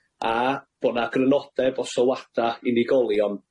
a bo' 'na grynodeb o sylwada' unigolion.